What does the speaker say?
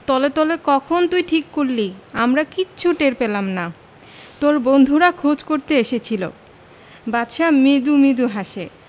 তলে তলে কখন তুই ঠিক করলি আমরা কিচ্ছু টের পেলাম না তোর বন্ধুরা খোঁজ করতে এসেছিলো বাদশা মৃদু মৃদু হাসে